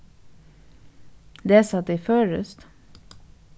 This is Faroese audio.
lesa tit føroyskt